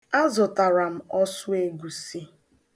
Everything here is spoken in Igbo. Azụtara m ọsụegusi.